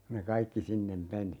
kun ne kaikki sinne meni